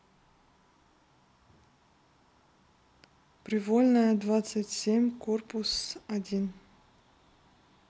привольная двадцать семь корпус один